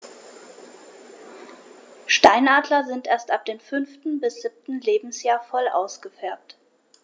Steinadler sind erst ab dem 5. bis 7. Lebensjahr voll ausgefärbt.